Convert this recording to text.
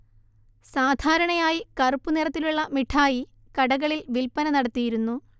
സാധാരണയായി കറുപ്പു നിറത്തിലുള്ള മിഠായി കടകളിൽ വിൽപ്പന നടത്തിയിരുന്നു